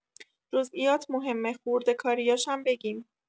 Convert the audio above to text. جزئیات مهمه خورده کاریاشم بگیم